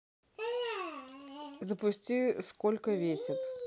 запусти сколько весит